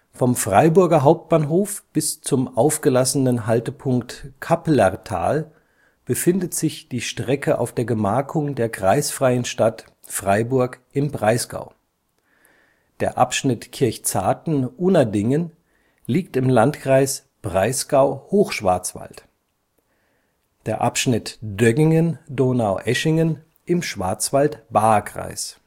Vom Freiburger Hauptbahnhof bis zum aufgelassenen Haltepunkt Kappelertal befindet sich die Strecke auf der Gemarkung der kreisfreien Stadt Freiburg im Breisgau. Der Abschnitt Kirchzarten – Unadingen liegt im Landkreis Breisgau-Hochschwarzwald, der Abschnitt Döggingen-Donaueschingen im Schwarzwald-Baar-Kreis